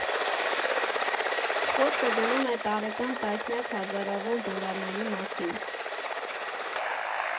Խոսքը գնում է տարեկան տասնյակ հազարավոր դոլարների մասին։